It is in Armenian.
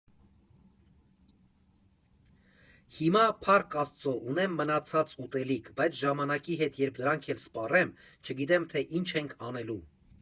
Հիմա, փառք Աստծո, ունեմ մնացած ուտելիք, բայց ժամանակի հետ երբ դրանք էլ սպառեմ, չգիտեմ, թե ինչ ենք անելու։